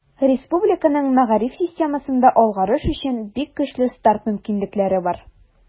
Республиканың мәгариф системасында алгарыш өчен бик көчле старт мөмкинлекләре бар.